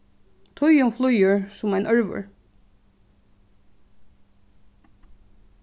tíðin flýgur sum ein ørvur